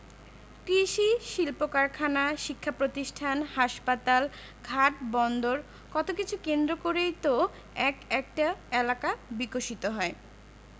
কৃষি শিল্পকারখানা শিক্ষাপ্রতিষ্ঠান হাসপাতাল ঘাট বন্দর কত কিছু কেন্দ্র করেই তো এক একটা এলাকা বিকশিত হয়